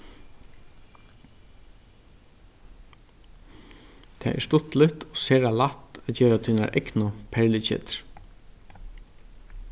tað er stuttligt og sera lætt at gera tínar egnu perluketur